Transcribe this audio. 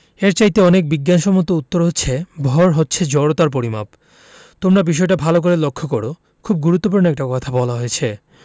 এর চাইতে অনেক বিজ্ঞানসম্মত উত্তর হচ্ছে ভর হচ্ছে জড়তার পরিমাপ তোমরা বিষয়টা ভালো করে লক্ষ করো খুব গুরুত্বপূর্ণ একটা কথা বলা হয়েছে